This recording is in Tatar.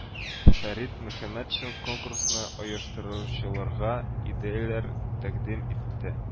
Фәрит Мөхәммәтшин конкурсны оештыручыларга идеяләр тәкъдим итте